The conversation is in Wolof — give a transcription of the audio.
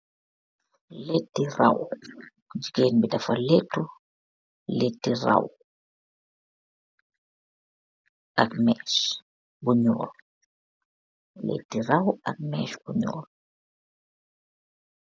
Lehti raww, jigeen bi dafa lehtu lehti raww ak meeche bu njull, lehti raww ak meeche bu njull.